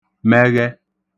mẹghẹ